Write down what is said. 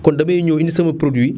kon damay ñëw indi sama produit